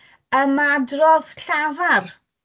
ymadrodd llafar